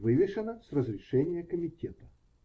Вывешено с разрешения комитета".